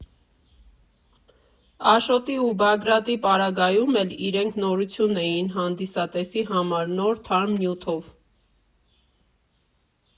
Աշոտի ու Բագրատի պարագայում էլ իրենք նորություն էին հանդիսատեսի համար, նոր, թարմ նյութով։